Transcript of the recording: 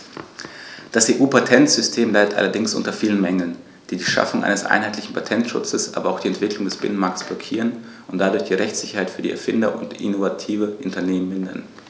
Das EU-Patentsystem leidet allerdings unter vielen Mängeln, die die Schaffung eines einheitlichen Patentschutzes, aber auch die Entwicklung des Binnenmarktes blockieren und dadurch die Rechtssicherheit für Erfinder und innovative Unternehmen mindern.